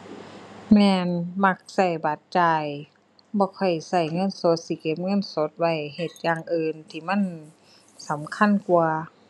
แม่นมักใช้บัตรจ่าย เพราะค่อยใช้เงินสดสิเก็บเงินสดไว้เฮ็ดอย่างอื่น ที่มันสำคัญกว่า